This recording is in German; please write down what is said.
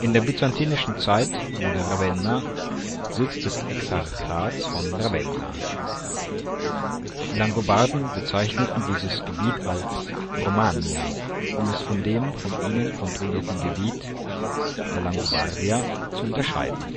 der byzantinischen Zeit wurde Ravenna Sitz des Exarchats von Ravenna. Die Langobarden bezeichneten dieses Gebiet als Romania, um es von dem von ihnen kontrollierten Gebiet, der Langobardia, zu unterscheiden